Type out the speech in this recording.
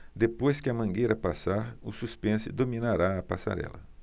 depois que a mangueira passar o suspense dominará a passarela